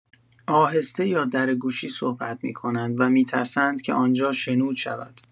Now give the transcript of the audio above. آهسته یا در گوشی صحبت می‌کنند و می‌ترسند که آنجا شنود شود.